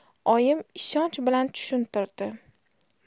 oyim ishonch bilan tushuntirdi